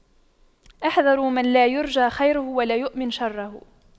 احذروا من لا يرجى خيره ولا يؤمن شره